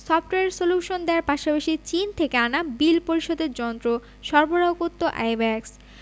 software solution দেওয়ার পাশাপাশি চীন থেকে আনা বিল পরিশোধের যন্ত্র সরবরাহ করত আইব্যাকস